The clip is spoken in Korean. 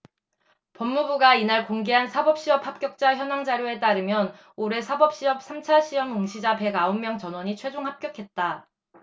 법무부가 이날 공개한 사법시험 합격자 현황 자료에 따르면 올해 사법시험 삼 차 시험 응시자 백 아홉 명 전원이 최종 합격했다